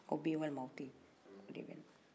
aw bɛ yen walim'aw tɛ ye o de bɛna